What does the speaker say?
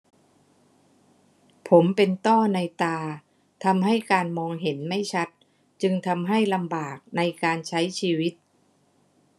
ผมเป็นต้อในตาทำให้การมองเห็นไม่ชัดจึงทำให้ลำบากในการใช้ชีวิต